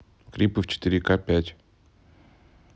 клипы в четыре ка пять